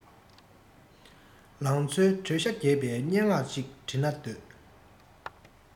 ལང ཚོའི དྲོད ཤ རྒྱས པའི སྙན ངག ཅིག འབྲི ན འདོད